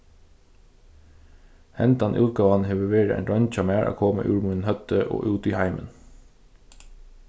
hendan útgávan hevur verið ein roynd hjá mær at koma úr mínum høvdi og út í heimin